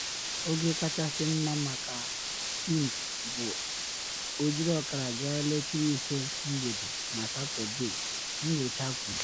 Oge kachasị mma maka pint bụ 5:30 mgbede na Satọde, nyocha kwuru